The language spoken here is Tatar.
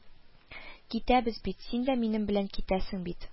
– китәбез бит, син дә минем белән китәсен бит